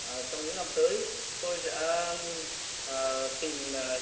ờ trong những năm tới tôi sẽ ờ ờ tìm